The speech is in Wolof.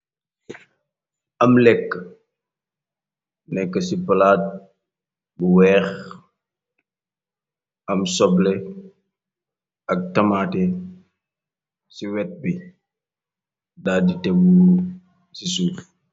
Am lekk, lekk ci palaat bu weex, am soble ak tamaaté ci wet bi, daadi teg gu ci suuf.